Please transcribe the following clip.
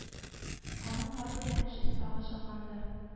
Аның пары белән мәҗлес тагы җанланды